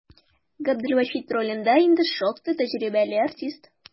Габделвахит ролендә инде шактый тәҗрибәле артист.